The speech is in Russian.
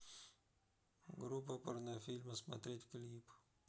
группа порнофильмы смотреть клип